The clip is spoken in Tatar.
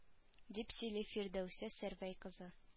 Дип сөйли фирдәүсия сәрвәй кызы